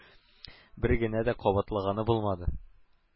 Бер генә дә кабатлаганы булмады.